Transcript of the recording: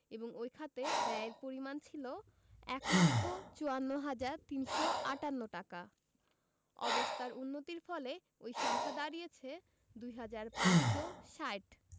এবং ওই খাতে ব্যয়ের পরিমাণ ছিল ১ লক্ষ ৫৪ হাজার ৩৫৮ টাকা অবস্থার উন্নতির ফলে ওই সংখ্যা দাঁড়িয়েছে ২ হাজার ৫৬০